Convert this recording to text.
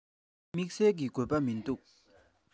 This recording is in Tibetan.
ངས ཟ མ བཟས ཚར